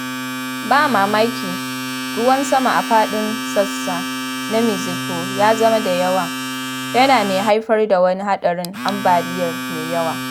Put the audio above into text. Ba mamaki ruwan sama a faɗin sassa na Mexico ya zama da yawa, yana mai haifar da wani haɗarin ambaliya mai yawa.